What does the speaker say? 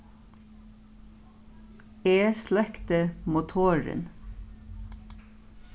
eg sløkti motorin